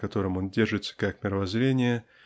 на котором он держится как мировоззрение